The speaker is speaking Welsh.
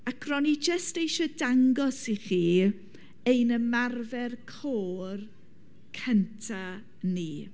Ac ro'n i jyst eisiau dangos i chi ein ymarfer côr cynta ni.